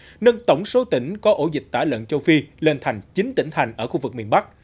nâng tổng số tỉnh có ổ dịch tả lợn châu phi lên thành chín tỉnh thành ở khu vực miền bắc